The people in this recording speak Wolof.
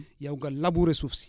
yow nga labourer suuf si